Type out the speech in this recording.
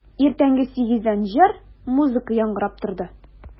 Иртәнге сигездән җыр, музыка яңгырап торды.